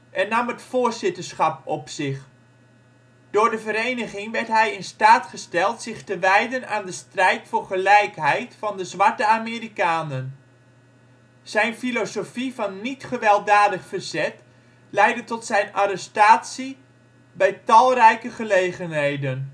en nam het voorzitterschap op zich. Door de vereniging werd hij in staat gesteld zich te wijden aan de strijd voor gelijkheid van de zwarte Amerikanen. Zijn filosofie van niet-gewelddadig verzet leidde tot zijn arrestatie bij talrijke gelegenheden